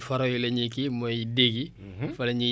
fa la ñuy tànkee ndox di dem di roose